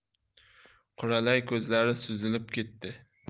quralay ko'zlari suzilib ketdi